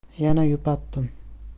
yana yupatdim